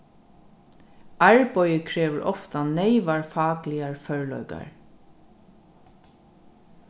arbeiðið krevur ofta neyvar fakligar førleikar